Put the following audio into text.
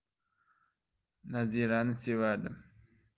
nazirani sevardim